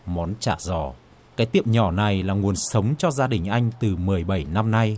món chả giò cái tiệm nhỏ này là nguồn sống cho gia đình anh từ mười bảy năm nay